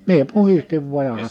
minä puhdistin vain ja -